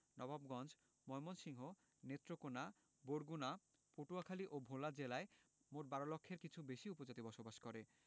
নবাবগঞ্জ ময়মনসিংহ নেত্রকোনা বরগুনা পটুয়াখালী ও ভোলা জেলায় মোট ১২ লক্ষের কিছু বেশি উপজাতি বসবাস করে